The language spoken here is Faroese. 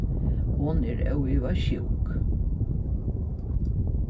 hon er óivað sjúk